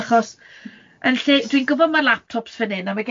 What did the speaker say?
achos yn lle, dwi'n gwybod ma' laptops fan hyn a ma'